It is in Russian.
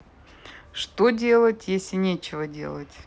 что делать если нечего делать